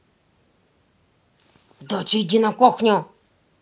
доча иди на кухню